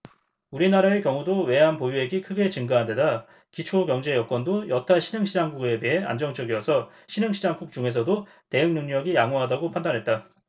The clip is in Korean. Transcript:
우리나라의 경우도 외환보유액이 크게 증가한 데다 기초경제여건도 여타 신흥시장국에 비해 안정적이어서 신흥시장국 중에서도 대응능력이 양호하다고 판단했다